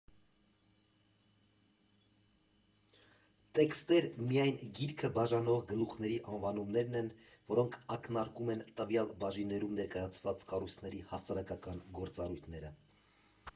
Տեքստեր միայն գիրքը բաժանող գլուխների անվանումներն են, որոնք ակնարկում են տվյալ բաժիններում ներկայացված կառույցների հասարակական գործառույթները։